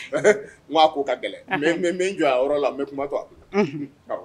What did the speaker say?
n go a ko ka gɛlɛn . N bi jɔ a yɔrɔ la n bɛ kuma to a bolo.